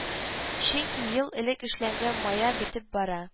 Чөнки ел элек эшләнгән мая бетеп бара